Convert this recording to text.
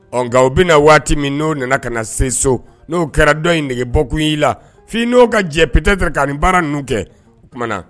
Ɔ nka u bɛna na waati min n'o nana ka na se so n'o kɛra dɔ in nɛgɛge bɔkun i la' n'o ka jɛ ppte ka nin baara n ninnu kɛ o tumaumana na